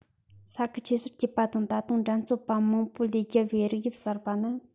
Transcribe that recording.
ས ཁུལ ཆེ སར སྐྱེས པ དང ད དུང འགྲན རྩོད པ མང པོ ལས རྒྱལ བའི རིགས དབྱིབས གསར པ ནི